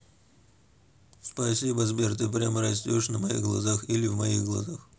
спасибо сбер ты прямо растешь на моих глазах или в моих глазах